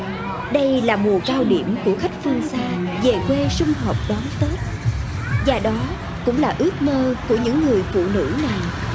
đây là mùa cao điểm của khách phương xa về quê sum họp đón tết và đó cũng là ước mơ của những người phụ nữ này